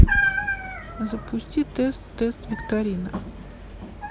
запусти тест тест викторина